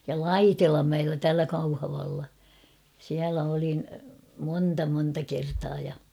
ja Laitilanmäellä täällä Kauhavalla siellä olin monta monta kertaa ja